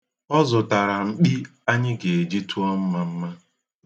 Ọ zụtara mkpi anyị ga-eji tụọ mmamma.